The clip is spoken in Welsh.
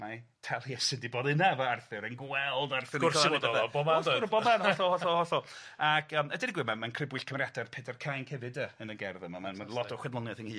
Mae Taliesin 'di bod yna efo Arthur yn gweld Arthur... Wrth gwrs 'i fod o! Bob man doedd? bob man hollol hollol hollol. Ag yym a deud y gwir mae mae'n crybwyll cymeriada'r Pedair Cainc hefd 'de yn y gerdd yma ma' ma' lot o'r chwedlonaeth ynghyd.